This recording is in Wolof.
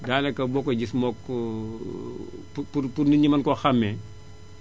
daanaka boo koy gis mook pour pour nit ñi mën koo xàmmee